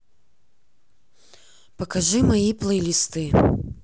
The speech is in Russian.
покажи мои плейлисты